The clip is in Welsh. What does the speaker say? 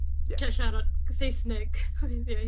siarad Saesneg a fi'n ffili...